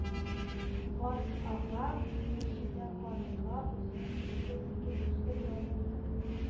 Гат ага мөршидә ханымга үзенең шушы ике дусты янына